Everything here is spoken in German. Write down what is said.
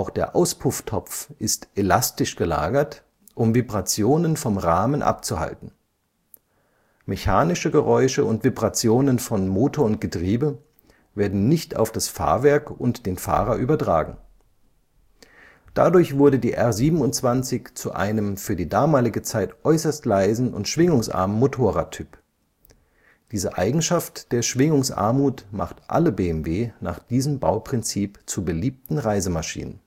der Auspufftopf ist elastisch gelagert, um Vibrationen vom Rahmen abzuhalten. Mechanische Geräusche und Vibrationen von Motor und Getriebe werden nicht auf das Fahrwerk und den Fahrer übertragen. Dadurch wurde die R 27 zu einem für die damalige Zeit äußerst leisen und schwingungsarmen Motorradtyp. Diese Eigenschaft der Schwingungsarmut macht alle BMW nach diesem Bauprinzip zu beliebten Reisemaschinen